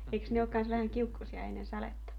eikös ne ole kanssa vähän kiukkuisia ennen sadetta